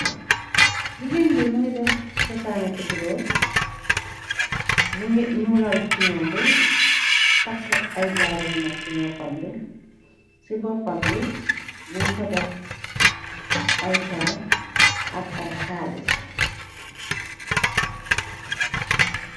Jigeen bi më ngi def chosaani tukkuroor, më ngi nuulal tunam bi , takk ay jaaré yu mag ci noppam bi, ci boppam bi mun fa def ay per ak ay xaalis.